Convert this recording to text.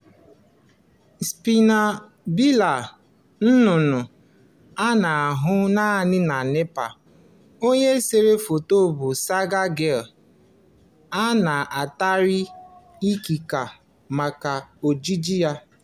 Spiny Blabber, nnụnnụ a na-ahụ naanị na Nepal. Onye sere foto bụ Sagar Girl. A natara ikike maka ojiji ya.